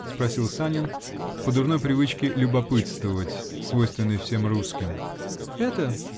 -- спросил Санин, по дурной привычке "любопытствовать", свойственной всем русским. -- Это?